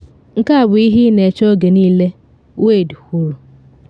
“Nke a bụ ihe ị na eche oge niile,” Wade kwuru.